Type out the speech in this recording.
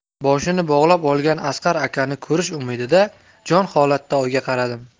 boshini bog'lab olgan asqar akani ko'rish umidida jonholatda oyga qaradim